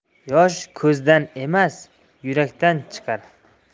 yosh ko'zdan emas yurakdan chiqar